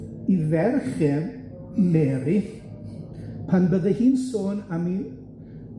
'i ferch e, Mary, pan bydde hi'n sôn am 'i